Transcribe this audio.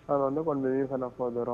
Awa ne kɔni be ka na fɔ dɔrɔn.